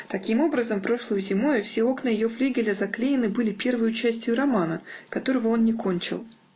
Таким образом прошлою зимою все окна ее флигеля заклеены были первою частию романа, которого он не кончил.